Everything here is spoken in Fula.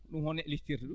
ɗum hono neɗɗo lijitirta ɗum